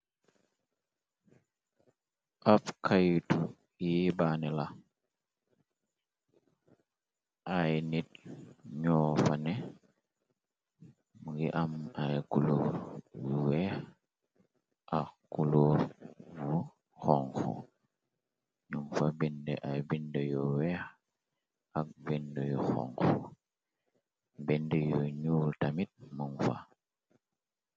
Ab kayetu yi baane la, ay nit ñoo fane mungi am ay kuloor bu weeh ak kuloor bu honku nu fa bind ay bind yu weeh ak bind yu honku, bind yu ñuul tamit mum fa.